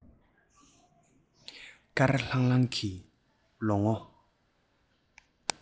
དཀར ལྷང ལྷང གི ལོ ངོ